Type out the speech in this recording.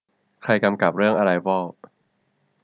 ใครกำกับเรื่องอะไรวอล